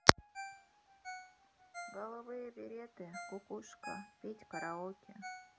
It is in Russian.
голубые береты кукушка петь караоке